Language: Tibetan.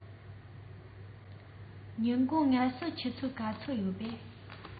ཉིན གུང ངལ གསོ ཆུ ཚོད ག ཚོད ཡོད རས